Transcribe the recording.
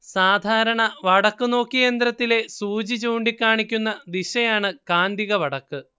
സാധാരണ വടക്കുനോക്കിയന്ത്രത്തിലെ സൂചി ചൂണ്ടികാണിക്കുന്ന ദിശയാണ് കാന്തിക വടക്ക്